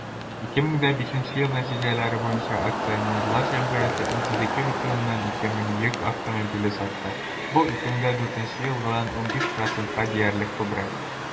2005 ел нәтиҗәләре буенча акционерлар җәмгыяте 32,2 мең йөк автомобиле сатты, бу 2004 елдагыдан 15 %-ка диярлек күбрәк.